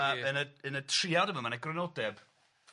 ma' yn y yn y triawd yma, ma' 'na grynodeb anhygoel, does?